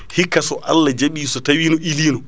hikka so Allah jaaɓi so tawino ilino